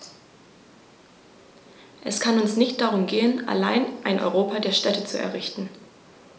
Es kann uns nicht darum gehen, allein ein Europa der Städte zu errichten.